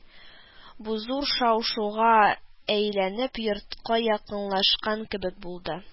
Бу зур шау-шуга әйләнеп йортка якынлашкан кебек булды